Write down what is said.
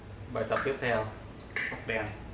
bài tập thứ là rung móc đơn